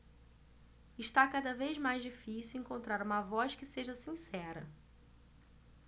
está cada vez mais difícil encontrar uma voz que seja sincera